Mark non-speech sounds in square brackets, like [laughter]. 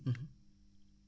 [hesitation] [hesitation]